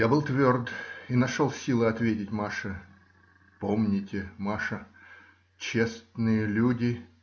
Но я был тверд и нашел силы ответить Маше: - Помните, Маша, честные люди.